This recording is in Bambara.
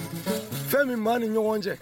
Fɛn min maa ni ɲɔgɔn cɛ